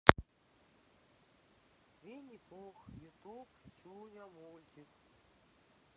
винни пух ютуб чуня мультик